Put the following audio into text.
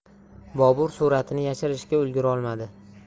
bobur suratni yashirishga ulgurolmadi